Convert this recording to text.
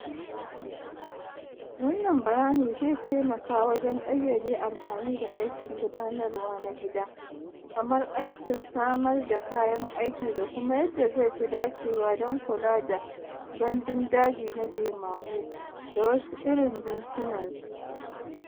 Wannan bayani zai taimaka wajen ƙayyade amfani da aikin gudanarwa na gida kamar aikin samar da kayan aiki da kuma yadda zai fi dacewa don kula da gandun daji na jemagu da wasu irin jinsuna su.